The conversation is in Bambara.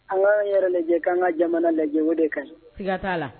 An ka anan yɛrɛ lajɛ k' an ka jamana lajɛ o de ka ɲiiga t'a la